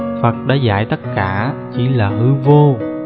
phật đã dạy tất cả chỉ là hư vô